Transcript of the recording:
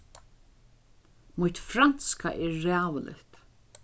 mítt franska er ræðuligt